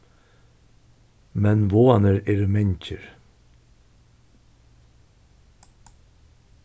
men váðarnir eru mangir